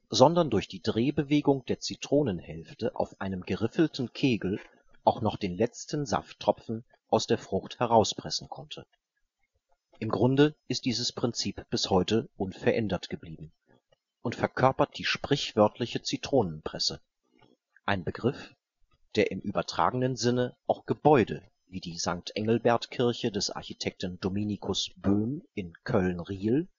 sondern durch die Drehbewegung der Zitronenhälfte auf einem geriffelten Kegel auch noch den letzten Safttropfen aus der Frucht herauspressen konnte. Im Grunde ist dieses Prinzip bis heute unverändert geblieben und verkörpert die sprichwörtliche Zitronenpresse, ein Begriff, der im übertragenen Sinne auch Gebäude wie die St. Engelbert-Kirche des Architekten Dominikus Böhm in Köln-Riehl